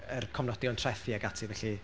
yr cofnodion trethu ac ati felly.